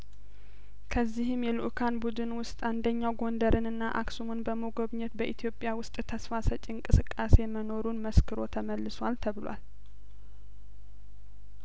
ከዚህም የልኡካን ቡድን ውስጥ አንደኛው ጐንደርንና አክሱምን በመጐብኘት በኢትዮጵያ ውስጥ ተስፋ ሰጪ እንቅስቃሴ መኖሩን መስክሮ ተመልሷል ተብሏል